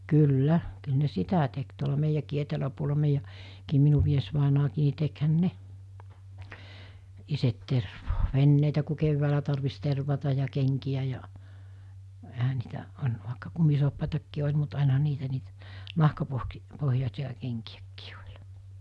kyllä kyllä ne sitä teki tuolla meidänkin eteläpuolella - meidänkin minun miesvainajakin niin tekihän ne itse tervaa veneitä kun keväällä tarvitsi tervata ja kenkiä ja eihän niitä aina vaikka kumisaappaitakin oli mutta ainahan niitä - nahkapohjaisia kenkiäkin oli